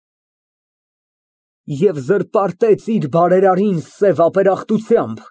ԲԱԳՐԱՏ ֊ Եվ զրպարտեց իր բարերարին սև ապերախտությամբ։